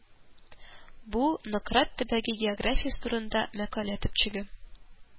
Бу Нократ төбәге географиясе турында мәкалә төпчеге